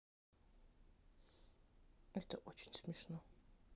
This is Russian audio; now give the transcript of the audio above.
это очень смешно